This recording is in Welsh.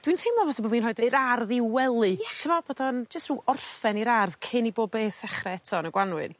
dwi'n teimlo fatha bo' fi'n rhoid i'r ardd i'w wely. Ia. T'mo' bod o'n jyst rhyw orffen i'r ardd cyn i bob beth ddechre eto yn y Gwanwyn.